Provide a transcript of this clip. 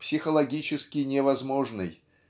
психологически невозможной